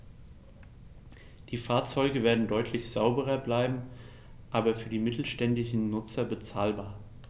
Die Fahrzeuge werden deutlich sauberer, bleiben aber für die mittelständischen Nutzer bezahlbar.